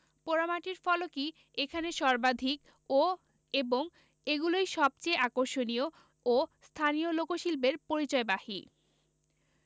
পোড়ামাটির ফলকই এখানে সর্বাধিক ও এবং এগুলোই সবচেয়ে আকর্ষণীয় ও স্থানীয় লোকশিল্পের পরিচয়বাহী